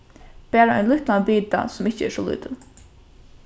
bara ein lítlan bita sum ikki er so lítil